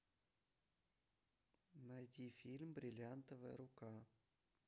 найди фильм бриллиантовая рука